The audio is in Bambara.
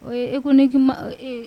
E ko ne' ma eee eee